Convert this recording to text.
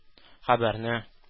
Хәбәрне